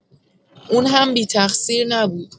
اون هم بی‌تقصیر نبود.